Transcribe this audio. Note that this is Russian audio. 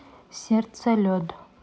сердце лед